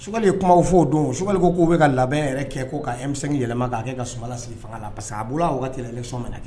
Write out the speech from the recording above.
Su de kumaw' oo don suba ko k'u bɛ ka labɛn yɛrɛ kɛ ko'misɛn yɛlɛma k'a kɛ ka sunbala sigi fanga la parce que a bolo waati so minɛ